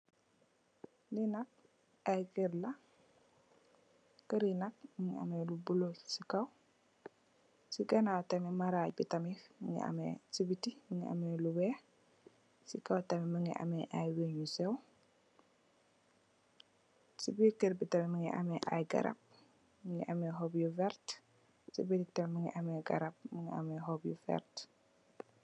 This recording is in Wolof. Li nak ay keur la, keur yi nak mungi ame lu bulo ci kaw, ci gannaaw tamid ci maraj bi tamid mungi ame lu weex ci bitti mungi ame lu weex ci kaw tamid mungi am wuñ yu sew. Ci biir keur bi tamid mungi ame ay garap, mungi ame xop yu verte ci bitti tamit mungi ame ay garap xop yu verte.